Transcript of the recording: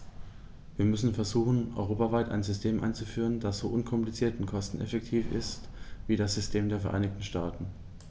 Wir müssen versuchen, europaweit ein System einzuführen, das so unkompliziert und kosteneffektiv ist wie das System der Vereinigten Staaten.